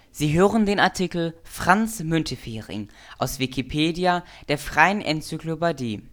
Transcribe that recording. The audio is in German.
Sie hören den Artikel Franz Müntefering, aus Wikipedia, der freien Enzyklopädie